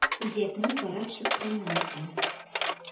Үзәкне карап чыкканнан соң.